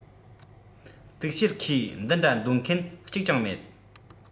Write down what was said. གཏུག བཤེར ཁས འདི འདྲ འདོད མཁན གཅིག ཀྱང མེད